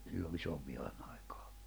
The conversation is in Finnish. silloin isonvihan aikana